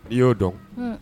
I y'o dɔn